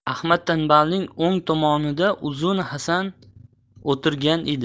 ahmad tanbalning o'ng tomonida uzun hasan o'tirgan edi